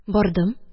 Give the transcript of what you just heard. Бардым: